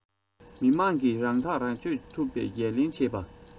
མི དམངས ཀྱིས རང ཐག རང གཅོད ཐུབ པའི འགན ལེན བྱེད པ